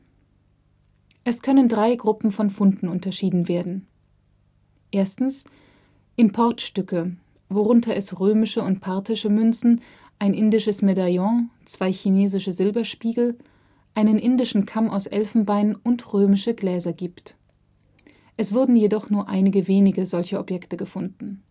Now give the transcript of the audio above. können drei Gruppen von Funden unterschieden werden. 1. Importstücke, worunter es römische und parthische Münzen ein indisches Medaillion, zwei chinesische Silberspiegel, einen indischen Kamm aus Elfenbein und römische Gläser gibt. Es wurden jedoch nur einige wenige solche Objekte gefunden